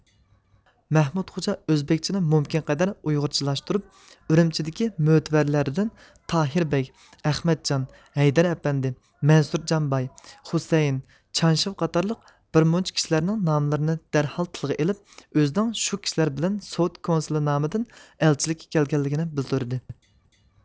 مەھمۇت خوجا ئۆزبېكچىنى مۇمكىنقەدەر ئۇيغۇرچىلاشتۇرۇپ ئۈرۈمچىدىكى مۆتىۋەرلىرىدىن تاھىر بەگ ئەخمەتجان ھەيدەر ئەپەندى مەنسۇرجانباي خۇسەيىن چانشېۋ قاتارلىق بىر مۇنچە كىشىلەرنىڭ ناملىرىنى دەرھال تىلغا ئېلىپ ئۆزىنىڭ شۇ كىشىلەر بىلەن سوۋېت كونسۇلى نامىدىن ئەلچىلىككە كەلگەنلىكىنى بىلدۈردى